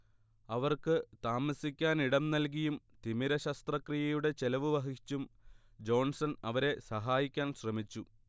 അവർക്ക് താമസിക്കാനിടം നൽകിയും തിമിരശസ്ത്രക്രിയയുടെ ചെലവ് വഹിച്ചും ജോൺസൺ അവരെ സഹായിക്കാൻ ശ്രമിച്ചു